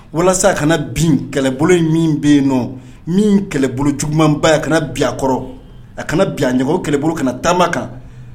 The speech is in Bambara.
Walasa a kana bin kɛlɛbolo min bɛ yen nɔ min kɛlɛbolo jugumanba a kana kɔrɔ a kana ɲ kɛlɛbolo ka taama kan